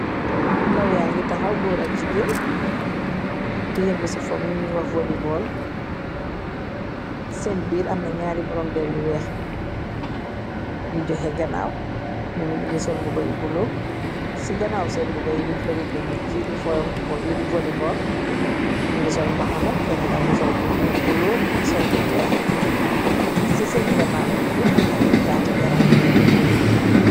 Ndaw yaa ngi taxaw góor ak jigéen di yëngu ci fo mi ñuy waf voliboll seen biir am na ñaari brom deer yu weex ngi joxe ganaaw nga mi nu gi sol mbu ba yu buloo ci ganaaw seen bu ba yi ñu fari dani ki di fo fo bii di volybol ñi ngi sol mbaxana kenn kangi sol buloo ki sol bu weex ci seen ganaaw ñu ñepp am na yi taati garab yu fame.